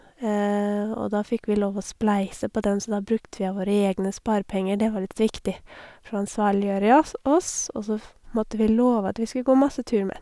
Og da fikk vi lov å spleise på den, så da brukte vi av våre egne sparepenger, det var litt viktig for å ansvarliggjøre jås oss og så f måtte vi love at vi skulle gå masse tur med den.